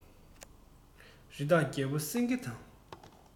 རི དྭགས རྒྱལ པོ སེང གེ དང